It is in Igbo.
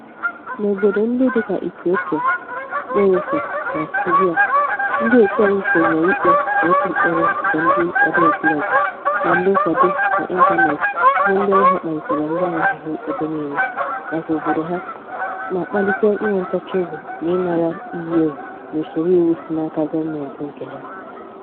N'obodo ndị dịka Ethiopia, Morocco na Syria ndịòtù anyị sonyere ikpe na ịtụ mkpọrọ nke ndị odee blọọgụ na ndị nkwado n'ịntaneetị bụ ndị ọrụ ha kpalitere mgbanwe zuru ebe niile maka obodo ha ma kpalite inwe ntachị obi n'ịnara iyi egwu n'usoro iwu si n'aka gọọmentị nke ha.